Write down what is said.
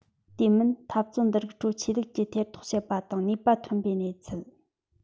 དེ མིན འཐབ རྩོད འདི རིགས ཁྲོད ཆོས ལུགས ཀྱིས ཐེ གཏོགས བྱེད པ དང ནུས པ ཐོན པའི གནས ཚུལ